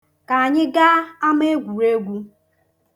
Ka anyị gaa ama egwureegwu.